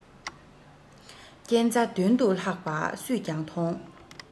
རྐྱེན རྩ མདུན དུ ལྷག པ སུས ཀྱང མཐོང